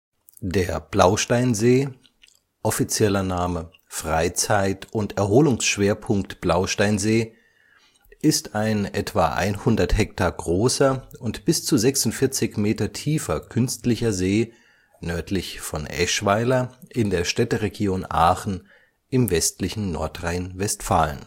Der Blausteinsee – offiziell Freizeit - und Erholungsschwerpunkt Blausteinsee – ist ein etwa 100 Hektar großer und bis zu 46 Meter tiefer künstlicher See nördlich von Eschweiler in der Städteregion Aachen im westlichen Nordrhein-Westfalen